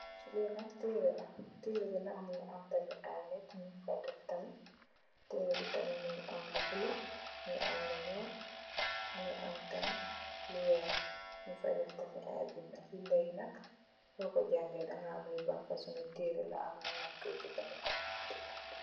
Lii nak tehreh la, tehreh bii nak mungy am aiiy nitt, njung fa deff tamit, tehreh bii tamit mungy am lu bleu, mungy am lu njull, mungy am tamit lu wekh, njung fa deff tamit aiiy binda, binda yii nak sor kor jangeh danga ham lii ban fasoni tehreh la, ak lan langh koi jeufandehkor.